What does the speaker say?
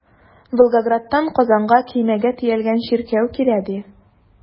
Волгоградтан Казанга көймәгә төялгән чиркәү килә, ди.